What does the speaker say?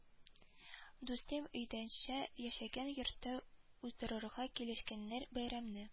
Дустым өйдәштә яшәгән йортта уздырырга килешкәннәр бәйрәмне